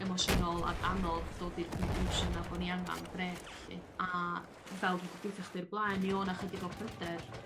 emosiynol ac anodd dod i'r conclusion 'na bo' ni angan brêc 'lly a fel dwi 'di deitho chdi o'r blaen mi o' 'na chydig o pryder